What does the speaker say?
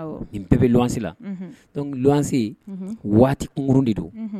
Nin bɛɛ bɛ lwasi lac lwanse waati kunurun de don